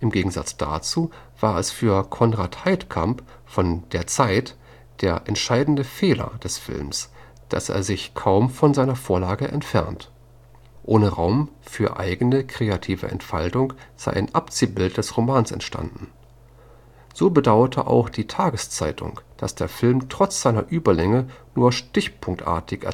Gegensatz dazu war es für Konrad Heidkamp von der Zeit der „ entscheidend [e] Fehler “des Films, dass er sich kaum von seiner Vorlage entfernt. Ohne Raum für eigene kreative Entfaltung sei „ ein Abziehbild des Romans entstanden. “So bedauerte auch die tageszeitung, dass der Film trotz seiner Überlänge „ nur stichpunktartig